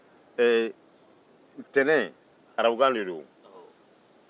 ntɛnɛn ye arabukan ye